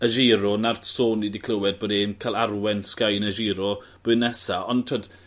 y Giro 'na'r sôn ni 'di clywed bod e'n ca'l arwen Sky yn y Giro blwyddyn nesa ond t'wod